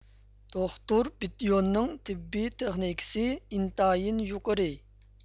دوختۇر بېتيوننىڭ تېببىي تېخنىكىسى ئىنتايىن يۇقىرى